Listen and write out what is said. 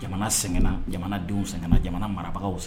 Jamana sɛgɛn jamana denw sɛgɛnna jamana marabagaw san